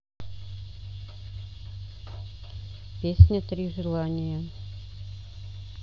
песня три желания